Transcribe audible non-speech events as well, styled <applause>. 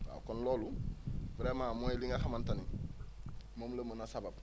waaw kon loolu <noise> vraiment mooy li nga xamante ni moom la mën a sabab